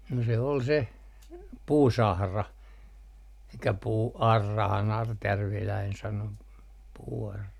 no se oli se puusahra eli puuaurahan artjärviläinen sanoi puuaura